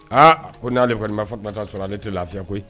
Aa ko n'ale kɔni ma Fatumata sɔrɔ ale te lafiya koyi